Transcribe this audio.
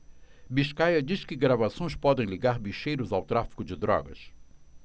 biscaia diz que gravações podem ligar bicheiros ao tráfico de drogas